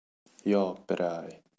yo piray